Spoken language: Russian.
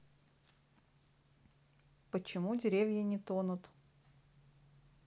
почему деревья не тонут